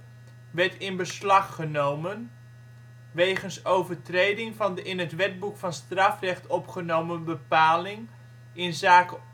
in beslag genomen, wegens overtreding van de in het Wetboek van Strafrecht opgenomen bepaling inzake